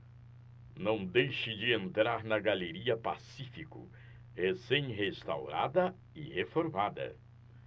não deixe de entrar na galeria pacífico recém restaurada e reformada